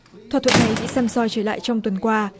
thỏa thuận này bị xăm soi trở lại trong tuần qua